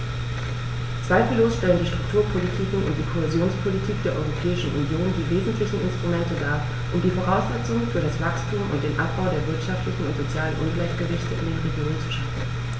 Zweifellos stellen die Strukturpolitiken und die Kohäsionspolitik der Europäischen Union die wesentlichen Instrumente dar, um die Voraussetzungen für das Wachstum und den Abbau der wirtschaftlichen und sozialen Ungleichgewichte in den Regionen zu schaffen.